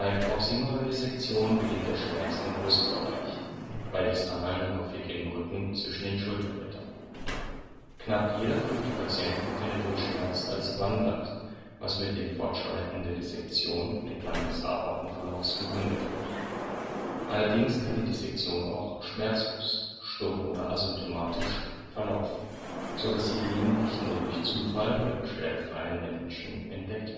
proximalen Dissektionen beginnt der Schmerz im Brustbereich, bei distalen häufig im Rücken zwischen den Schulterblättern. Knapp jeder fünfte Patient empfindet den Schmerz als wandernd, was mit dem Fortschreiten der Dissektion entlang des Aortenverlaufs begründet wird. Allerdings kann die Dissektion auch schmerzlos („ stumm “oder asymptomatisch) verlaufen, so dass sie gelegentlich nur durch Zufall bei beschwerdefreien Menschen entdeckt